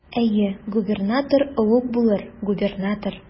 Әйе, губернатор олуг булыр, губернатор.